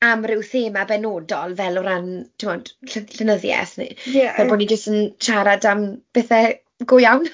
am ryw thema benodol fel o ran, ti'n gwybod, lle- llenyddiaeth neu... ie. ...fel bod ni jyst yn siarad am bethe go iawn.